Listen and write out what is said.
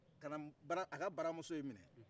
ka na bara a ka baramuso in minɛ